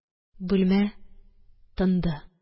Бүлмә тынды.